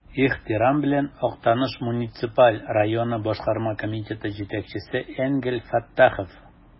Ихтирам белән, Актаныш муниципаль районы Башкарма комитеты җитәкчесе Энгель Фәттахов.